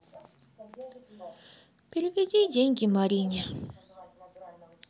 переведи деньги марине